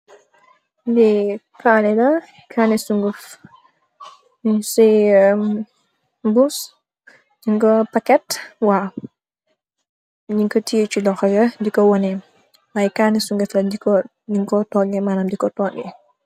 Li kani la kani souguof moung ci birr mboss noung ko paket waw noung ko teye ci loho di ko wonne manam kanni souguof la noung koy toge diko toge